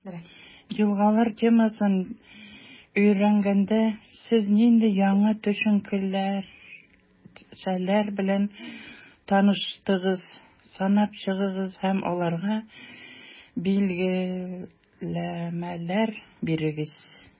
«елгалар» темасын өйрәнгәндә, сез нинди яңа төшенчәләр белән таныштыгыз, санап чыгыгыз һәм аларга билгеләмәләр бирегез.